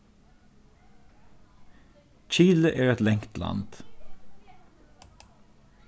kili er eitt langt land